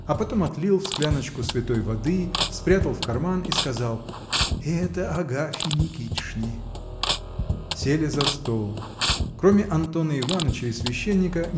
а потом отлил в скляночку святой воды спрятал в карман и сказал Это Агафье Никитишне. Сели за стол. Кроме Антона Иваныча и священника